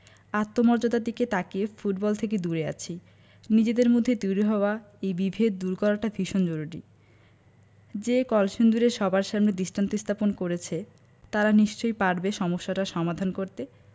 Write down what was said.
আত্মমর্যাদার দিকে তাকিয়ে ফুটবল থেকে দূরে আছি নিজেদের মধ্যে তৈরি হওয়া এই বিভেদ দূর করাটা ভীষণ জরুরি যে কলসিন্দুর এর সবার সামনে দৃষ্টান্ত স্থাপন করেছে তারা নিশ্চয়ই পারবে সমস্যাটার সমাধান করতে